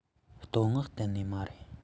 བསྟོད བསྔགས གཏན ནས མ རེད